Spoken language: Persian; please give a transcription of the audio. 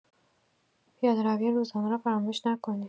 پیاده‌روی روزانه را فراموش نکنید.